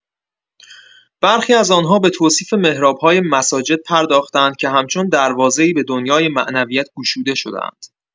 برخی از آن‌ها به توصیف محراب‌های مساجد پرداخته‌اند که همچون دروازه‌ای به دنیای معنویت گشوده شده‌اند.